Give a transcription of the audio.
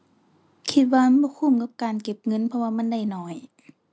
คิดว่ามันบ่คุ้มกับการเก็บเงินเพราะว่ามันได้น้อย